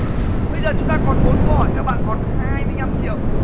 bây giờ chúng ta còn bốn câu hỏi các bạn còn hai mươi nhăm triệu